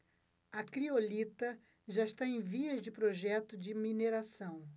a criolita já está em vias de projeto de mineração